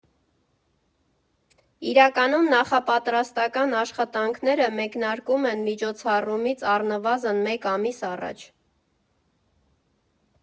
Իրականում նախապատրաստական աշխատանքները մեկնարկում են միջոցառումից առնվազն մեկ ամիս առաջ։